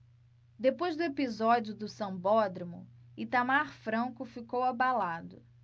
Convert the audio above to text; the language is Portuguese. depois do episódio do sambódromo itamar franco ficou abalado